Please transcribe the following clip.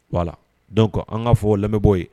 Wala dɔn ko an k'a fɔ lamɛnbɔ ye